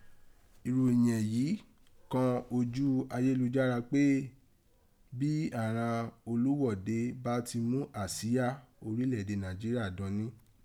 Iroyẹ̀n yii kọ́n ojú ayelujara pe bi àghan olùgwọ́de bá ti mu asia orilẹede Naijiria dọn ní.